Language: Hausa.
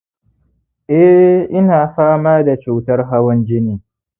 eh, ina fama da cutar hawan jini